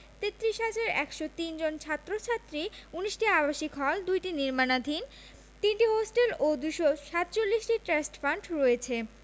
৩৩ হাজার ১০৩ জন ছাত্র ছাত্রী ১৯টি আবাসিক হল ২টি নির্মাণাধীন ৩টি হোস্টেল ও ২৪৭টি ট্রাস্ট ফান্ড রয়েছে